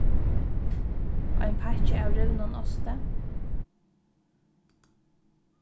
ein pakki av rivnum osti